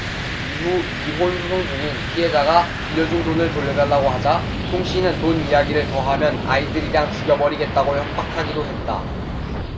이후 이혼 소송중인 피해자가 빌려준 돈을 돌려달라고 하자 송씨는 돈 이야기를 더 하면 아이들이랑 죽여버리겠다고 협박하기도 했다